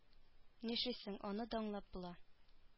Нишлисең аны да аңлап була